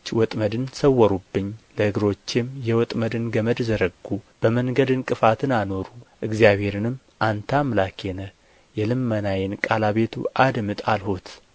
ወጥመድን ሰወሩብኝ ለእግሮቼም የወጥመድ ገመድን ዘረጉ በመንገድ ዕንቅፋትን አኖሩ እግዚአብሔርንም አንተ አምላኬ ነህ የልመናዬን ቃል አቤቱ አድምጥ አልሁት